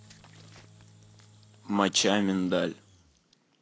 моча миндаль